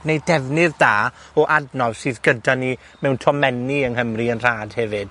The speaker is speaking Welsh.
gwneud defnydd da o adnodd sydd gyda ni mewn tomenni yng Nghymru yn rhad hefyd.